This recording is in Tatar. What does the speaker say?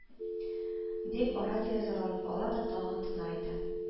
– дип, ара-тирә зарланып ала да тагы тына иде